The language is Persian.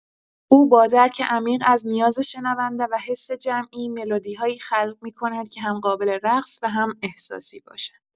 او با درک عمیق از نیاز شنونده و حس جمعی، ملودی‌هایی خلق می‌کند که هم قابل‌رقص و هم احساسی باشند.